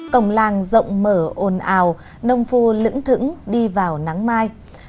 cổng làng rộng mở ồn ào nông phu lững thững đi vào nắng mai